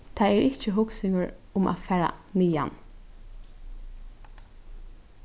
tað er ikki hugsingur um at fara niðan